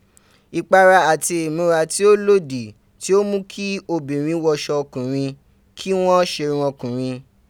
ìpara àti ìmúra tí ó lòdì, tí ó mú kí obìnrin wọṣọ ọkùnrin, kí wọ́n ṣerun ọkùnrin.